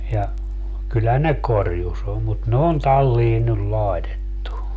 ja kyllä ne korjussa on mutta ne on talliin nyt laitettu